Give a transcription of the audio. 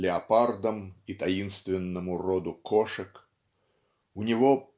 леопардам и таинственному роду кошек. У него